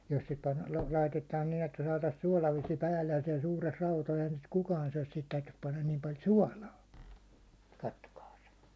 jos se - laitetaan niin että saataisiin suolavesi päälle ja siellä suuressa eihän sitä kukaan syö siihen täytyisi panna niin paljon suolaa katsokaas